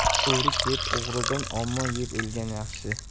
o'rik yeb og'rigandan olma yeb o'lgan yaxshi